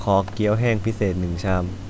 ขอเกี้ยวแห้งพิเศษหนึ่งชาม